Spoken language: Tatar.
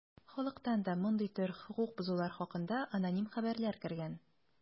Халыктан да мондый төр хокук бозулар хакында аноним хәбәрләр кергән.